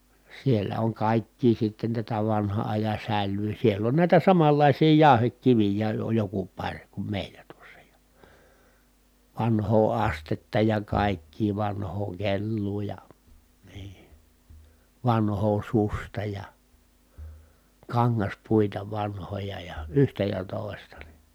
siellä on kaikkea sitten tätä vanhan ajan sälyä siellä on näitä samanlaisia jauhekiviäkin on joku pari kun meillä tuossa ja vanhaa astetta ja kaikkea vanhaa kelloa ja niin vanhaa suksea ja kangaspuita vanhoja ja yhtä ja toista